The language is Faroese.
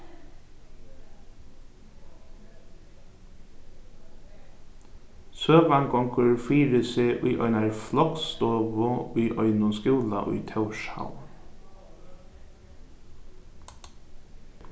søgan gongur fyri seg í einari floksstovu í einum skúla í tórshavn